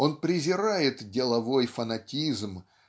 Он презирает "деловой фанатизм"